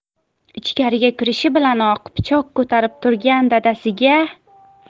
ichkariga kirishi bilanoq pichoq ko'tarib turgan dadasiga